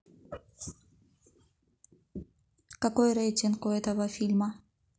какой рейтинг у этого фильма